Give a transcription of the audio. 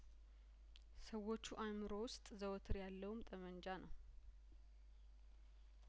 ሰዎቹ አእምሮ ውስጥ ዘወትር ያለውም ጠመንጃ ነው